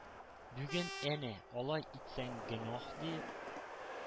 Бүген, әнә, алай итсәң гөнаһ диеп,